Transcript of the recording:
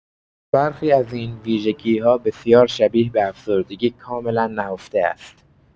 برخی ازاین ویژگی‌ها بسیار شبیه به افسردگی کاملا نهفته است.